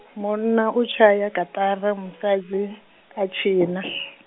munna u tshaya kaṱara musadzi, a tshina.